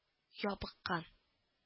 Ябыккан